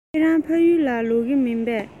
ཁྱེད རང ཕ ཡུལ ལ ལོག གི མིན པས